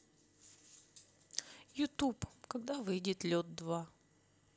ютуб когда выйдет лед два